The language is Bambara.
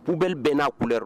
Poubelle bɛɛ na couleur